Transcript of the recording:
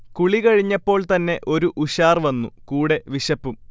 കുളി കഴിഞ്ഞപ്പോൾത്തന്നെ ഒരു ഉഷാർ വന്നു കൂടെ വിശപ്പും